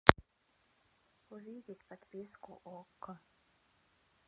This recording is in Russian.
увидеть подписку окко